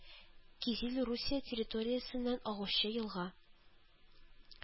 Кизил Русия территориясеннән агучы елга